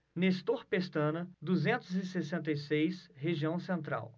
nestor pestana duzentos e sessenta e seis região central